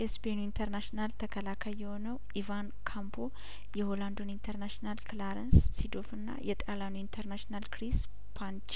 የስፔኑ ኢንተርናሽናል ተከላካይ የሆነው ኢቫን ካምፖ የሆላንዱን ኢንተርናሽናል ክላረንስ ሲዶር ፍና የጣልያኑ ኢንተርናሽናል ክሪስ ፓንቺ